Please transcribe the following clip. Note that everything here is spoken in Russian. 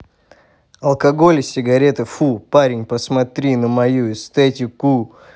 алкоголь и сигареты фу парень посмотри на мою эстетику